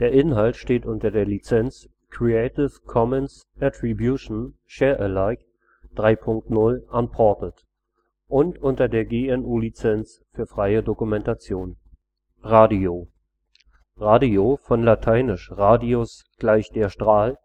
Inhalt steht unter der Lizenz Creative Commons Attribution Share Alike 3 Punkt 0 Unported und unter der GNU Lizenz für freie Dokumentation. Dieser Artikel beschäftigt sich mit dem Radio als Empfangsgerät. Das entsprechende Massenmedium behandelt der Artikel Hörfunk; zu weiteren gleichnamigen Bedeutungen siehe Radio (Begriffsklärung). Detektorempfänger um 1930 Volksempfänger (ab 1933) Röhrenradio (1954) Radio (v. lat.: radius = der Strahl